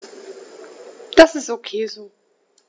Das ist ok so.